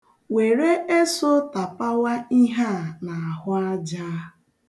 Were eso tapawa ihe a n'ahụ aja.